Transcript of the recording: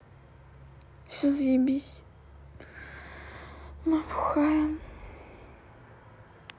все заебись мы бухаем